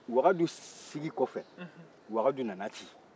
wagadu sigi kɔfɛ wagadu nana ci